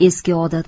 eski odat